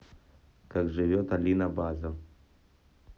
как живет алина база